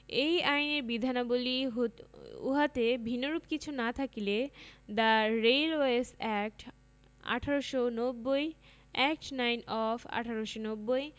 এই আইনের বিধানবলী উহাতে ভিন্নরূপ কিছু না থাকিলে the railways act ১৮৯০ act nine of ১৮৯০